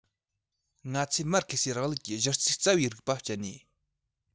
ང ཚོས མར ཁེ སིའི རིང ལུགས ཀྱི གཞི རྩའི རྩ བའི རིགས པ སྤྱད ནས